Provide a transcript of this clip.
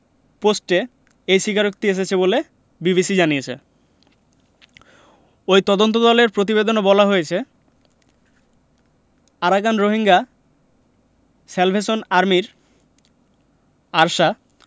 পোস্টে এই স্বীকারোক্তি এসেছে বলে বিবিসি জানিয়েছে ওই তদন্তদলের প্রতিবেদনে বলা হয়েছে আরাকান রোহিঙ্গা স্যালভেশন আর্মির আরসা